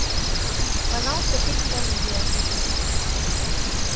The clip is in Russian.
пожалуйста фильтр боливия